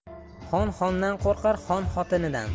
xon xondan qo'rqar xon xotinidan